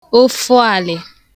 ofu àlị̀